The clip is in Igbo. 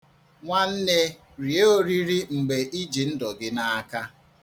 Nwanne, rie oriri mgbe i ji ndụ gị n'aka.